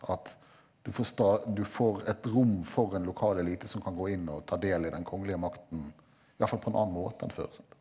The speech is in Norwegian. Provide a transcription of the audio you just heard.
at du får du får et rom for en lokal elite som kan gå inn og ta del i den kongelige makten i alle fall på en annen måte enn før sant.